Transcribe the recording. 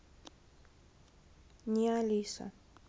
не алиса